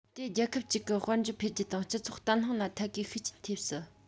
དེས རྒྱལ ཁབ ཅིག གི དཔལ འབྱོར འཕེལ རྒྱས དང སྤྱི ཚོགས བརྟན ལྷིང ལ ཐད ཀའི ཤུགས རྐྱེན ཐེབས སྲིད